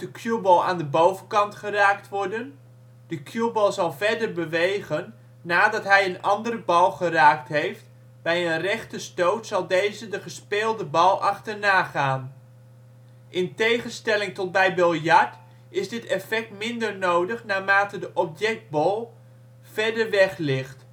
cueball aan de bovenkant geraakt worden. De cueball zal verder bewegen nadat hij een andere bal geraakt heeft, bij een rechte stoot zal deze de gespeelde bal achternagaan. In tegenstelling tot bij biljart is dit effect minder nodig naarmate de object-ball verder weg ligt